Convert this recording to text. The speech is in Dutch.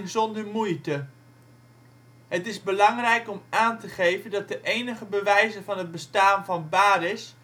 zonder moeite. Het is belangrijk om aan te geven dat de enige bewijzen van het bestaan van Baresch